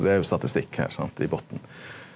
det er jo statistikk her sant i botn.